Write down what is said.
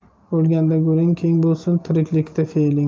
o'lganda go'ring keng bo'lsin tiriklikda fe'ling